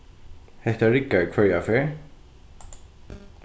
hetta riggar hvørja ferð